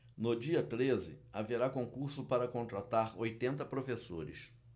no dia treze haverá concurso para contratar oitenta professores